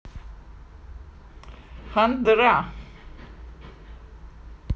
хандра